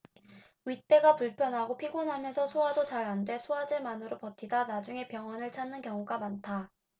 윗배가 불편하고 피곤하면서 소화도 잘 안 돼 소화제만으로 버티다 나중에 병원을 찾는 경우가 많다